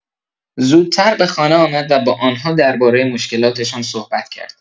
زودتر به خانه آمد و با آن‌ها درباره مشکلاتشان صحبت کرد.